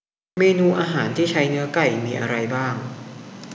เมนูอาหารที่ใช้เนื้อไก่มีอะไรบ้าง